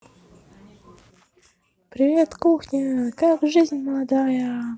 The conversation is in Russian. привет кухня как жизнь молодая